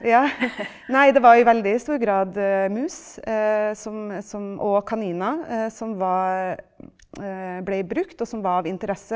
ja nei det var i veldig stor grad mus som som og kaniner som var blei brukt og som var av interesse.